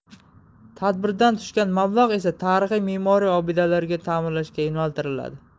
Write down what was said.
tadbirdan tushgan mablag esa tarixiy me'moriy obidalarni ta'mirlashga yo'naltiriladi